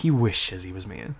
He wishes he was me.